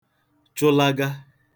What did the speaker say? chụlaga